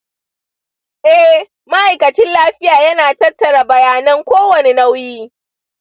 ee, ma'aikacin lafiya yana tattara bayanan kowane nauyi.